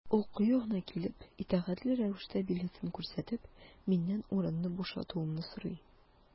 Ул кыю гына килеп, итәгатьле рәвештә билетын күрсәтеп, миннән урынны бушатуымны сорый.